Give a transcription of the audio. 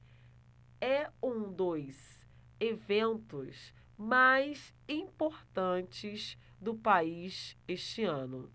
é um dos eventos mais importantes do país este ano